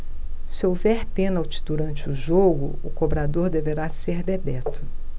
se houver pênalti durante o jogo o cobrador deverá ser bebeto